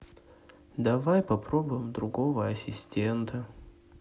давай попробуем другого ассистента